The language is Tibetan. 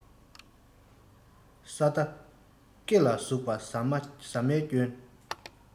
ས མདའ སྐེ ལ ཟུག པ ཟ མའི སྐྱོན